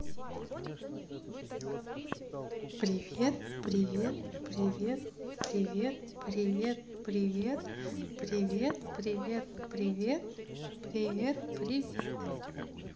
привет привет привет привет привет привет привет привет привет привет привет